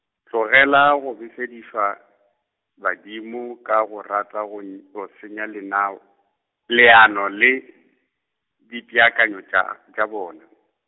tlogela go befedišwa, badimo kago rata go n-, go senya lenao, leano le , dipeakanyo tša, tša bona.